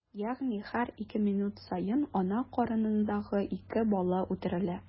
Ягъни һәр ике минут саен ана карынындагы ике бала үтерелә.